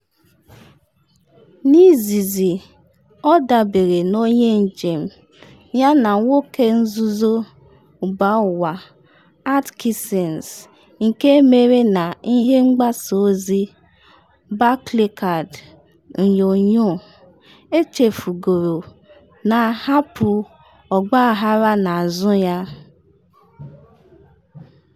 N’izizi ọ dabere n’onye njem yana nwoke nzuzo mba ụwa Atkinson nke emere na ihe mgbasa ozi Barclaycard TV echefugoro, na-ahapu ọgbaghara n’azụ ya.